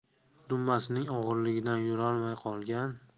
dumbasining og'irligidan yurolmay qolgan